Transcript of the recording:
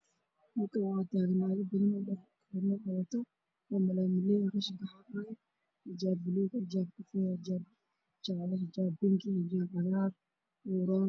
Meeshaa waxaa taagan naago